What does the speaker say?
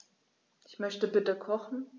Ich möchte bitte kochen.